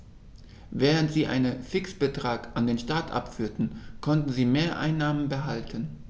Während sie einen Fixbetrag an den Staat abführten, konnten sie Mehreinnahmen behalten.